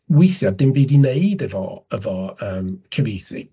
Weithiau dim byd i wneud efo cyfieithu.